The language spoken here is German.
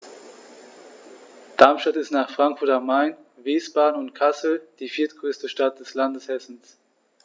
Darmstadt ist nach Frankfurt am Main, Wiesbaden und Kassel die viertgrößte Stadt des Landes Hessen